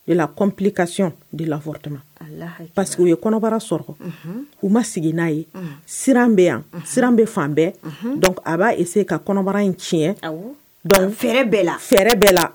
Kɔnm kasi de latɛ pa que ye kɔnɔbara sɔrɔ u ma sigi n'a ye sira bɛ yan siran bɛ fan bɛɛ a b'a se ka kɔnɔbara in tiɲɛ fɛrɛɛrɛ bɛɛ la fɛrɛɛrɛ bɛɛ la